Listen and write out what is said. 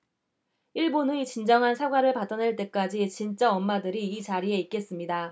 일본의 진정한 사과를 받아낼 때까지 진짜 엄마들이 이 자리에 있겠습니다